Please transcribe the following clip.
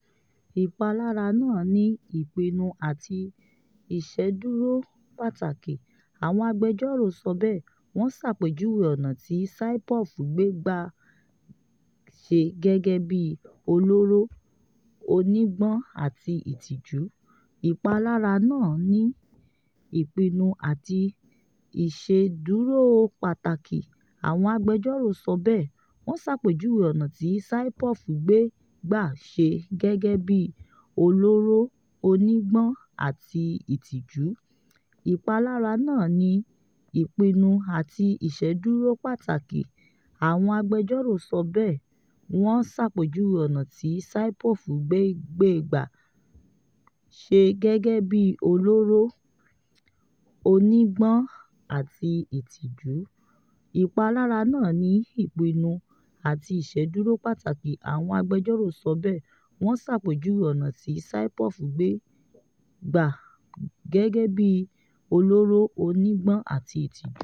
Ìpalára náà ni "ìpinnu àti ìṣedúrọ́ pàtàkì," Àwọn agbẹjọ́rò sọ bẹẹ̀, wọn ṣàpèjúwe ọ̀nà tí Saipov gbé gbà ṣe Gẹ́gẹ́bí "olóró, onígbọ̀n àti ìtìjú."